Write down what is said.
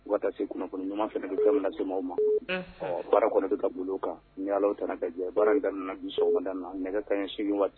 Waati se kunnafoni ɲuman fana se ma baara kɔnɔ bɛ ka bolo kan ni ala tɛna ka baara bɛ bi nana nɛgɛ ka sigigin waati